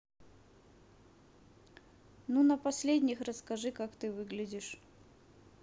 ну на последних расскажи как ты выглядишь